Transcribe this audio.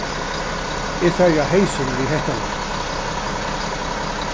eg fari á heysin við hetta lag